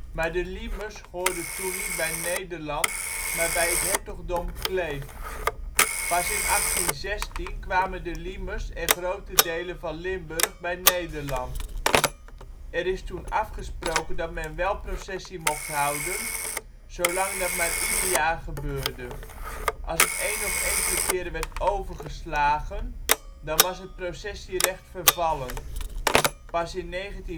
Maar de Liemers hoorde toen niet bij Nederland, maar bij het hertogdom Kleef. Pas in 1816 kwamen de Liemers en grote delen van Limburg bij Nederland. Er is toen afgesproken dat men wel processie mocht houden, zolang dat maar ieder jaar gebeurde. Als het één of enkele keren werd overgeslagen, dan was het processierecht vervallen. Pas in 1984 is het